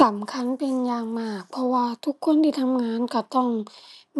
สำคัญเป็นอย่างมากเพราะว่าทุกคนที่ทำงานก็ต้อง